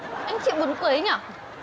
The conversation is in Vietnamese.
anh chị buồn cười thế nhờ